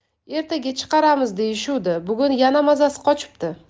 ertaga chiqaramiz deyishuvdi bugun yana mazasi qochibdi